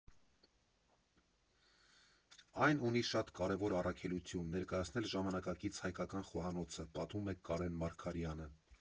Այն ունի շատ կարևոր առաքելություն՝ ներկայացնել ժամանակակից հայկական խոհանոցը, ֊ պատմում է Կարեն Մարգարյանը։